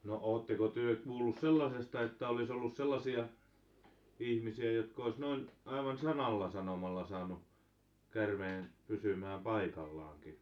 no oletteko te kuullut sellaisesta että olisi ollut sellaisia ihmisiä jotka olisi noin aivan sanalla sanomalla saanut käärmeen pysymään paikallaankin